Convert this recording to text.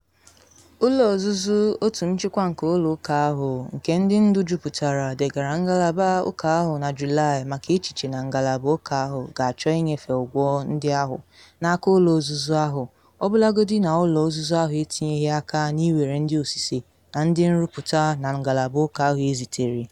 Ụlọ ọzụzụ - otu nchịkwa nke ụlọ ụka ahụ, nke ndị ndu juputara - degara ngalaba ụka ahụ na Julaị maka echiche na ngalaba ụka ahụ “ga-achọ ịnyefe ụgwọ ndị ahụ” n’aka ụlọ ozuzu ahụ, ọbụlagodi na ụlọ ozuzu ahụ etinyeghị aka na iwere ndi ọsịse na ndị nrụpụta na ngalaba ụka ahụ ezitere.